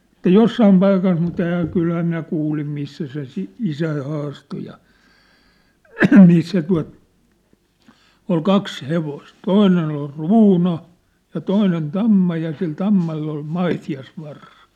että jossakin paikassa mutta enhän kyllähän minä kuulin missä se - isäni haastoi ja missä tuota oli kaksi hevosta toinen oli ruuna ja toinen tamma ja sillä tammalla oli maitiaisvarsa